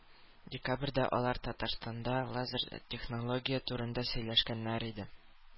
Декабрьдә алар Татарстанда лазер технология турында сөйләшкәннәр иде.